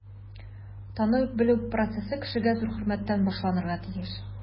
Танып-белү процессы кешегә зур хөрмәттән башланырга тиеш.